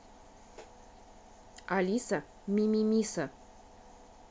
алиса мимимиса